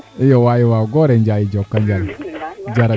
iyo waay waaw goore Ndiaye jokonjal jarajef